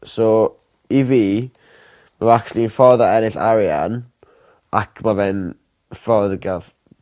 So i fi ma'n actually ffordd o ennill arian ac ma' fe'n ffordd o ga'l